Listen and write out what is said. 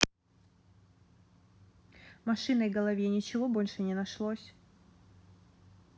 машиной голове ничего больше не нашлось